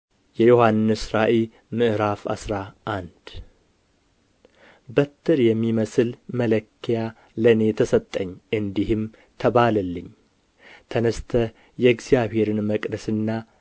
የዮሐንስ ራእይ ምዕራፍ አስራ አንድ በትር የሚመስል መለኪያ ለእኔ ተሰጠኝ እንዲህም ተባለልኝ ተነሥተህ የእግዚአብሔርን መቅደስና